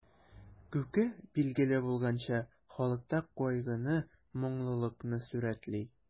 Күке, билгеле булганча, халыкта кайгыны, моңлылыкны сурәтли.